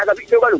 kaga fi togano